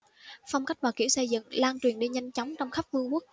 phong cách và kiểu xây dựng lan truyền đi nhanh chóng trong khắp vương quốc